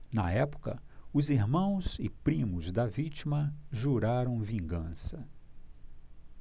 na época os irmãos e primos da vítima juraram vingança